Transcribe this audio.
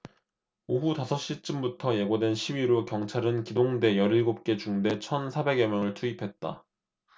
오후 다섯 시쯤부터 예고된 시위로 경찰은 기동대 열 일곱 개 중대 천 사백 여 명을 투입했다